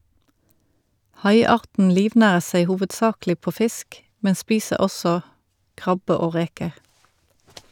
Haiarten livnærer seg hovedsaklig på fisk , men spiser også krabbe og reker.